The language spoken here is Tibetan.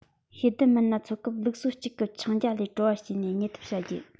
ཤེས ལྡན མི སྣ འཚོལ སྐབས སྲོལ ལུགས གཅིག གི འཆིང རྒྱ ལས གྲོལ བ བྱས ནས རྙེད ཐབས བྱ རྒྱུ